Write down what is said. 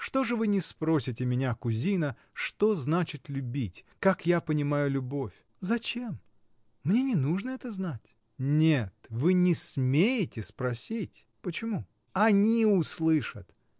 — Что же вы не спросите меня, кузина, что значит любить, как я понимаю любовь? — Зачем? Мне не нужно это знать. — Нет, вы не смеете спросить! — Почему? — Они услышат.